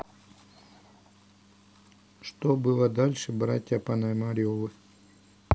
что было дальше братья пономаревы